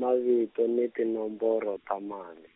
mavito ni tinomboro ta mali.